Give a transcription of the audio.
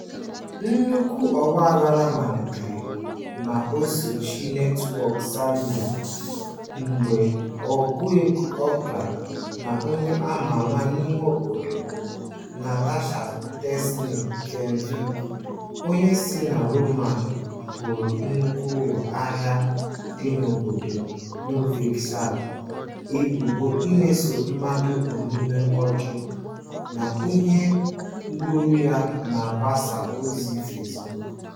Nnukwu ọgbaghara malitere na soshaa netwọkụ Serbia mgbe ọgụ egwu opera na onye a ma ama n'ime obodo bụ Nataša Tasić Knežević, onye si na Roma boro nnukwu ụlọ ahịa dị n'obodo Novi Sad ebubo imeso mmadụ omume ọjọọ n'ihi agbụrụ ya na mgbasa ozi Facebook.